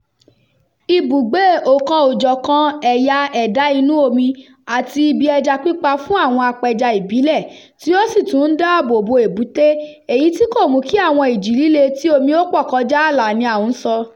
Ibùgbé ọ̀kan-òjọ̀kan ẹ̀yà ẹ̀dá inú omi (àti ibi ẹja pípa fún àwọn apẹja ìbílẹ̀), tí ó sì tún ń dá ààbò bo èbúté, èyí tí kò mú kí àwọn ìjì líle etí omi ó pọ̀ kọjá àlà ni à ń sọ.